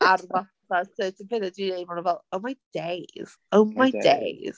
Ar fatha certain pethau dwi'n dweud fel "Oh my days, oh my days".